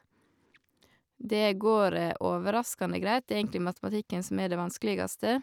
Det går overraskende greit, det er egentlig matematikken som er det vanskeligste.